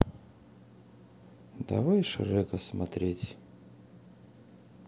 давай шрека смотреть